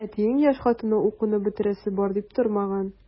Ә менә әтинең яшь хатыны укуны бетерәсе бар дип тормаган.